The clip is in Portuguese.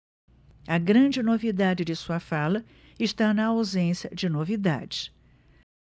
a grande novidade de sua fala está na ausência de novidades